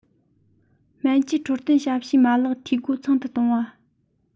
སྨན བཅོས འཕྲོད བསྟེན ཞབས ཞུའི མ ལག འཐུས སྒོ ཚང དུ གཏོང བ